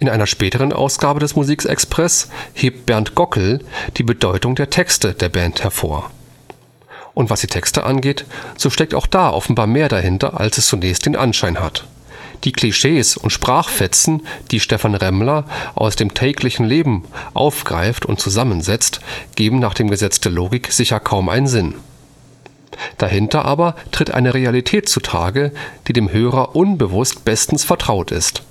einer späteren Ausgabe des Musikexpress hebt Bernd Gockel die Bedeutung der Texte der Band hervor: „ Und was die Texte angeht, so steckt auch da offenbar mehr dahinter, als es zunächst den Anschein hat. Die Klischees und Sprachfetzen, die Stefan Remmler aus dem täglichen Leben aufgreift und zusammensetzt, geben nach den Gesetzen der Logik sicher kaum einen Sinn (…), dahinter aber tritt eine Realität zutage, die dem Hörer unbewusst bestens vertraut ist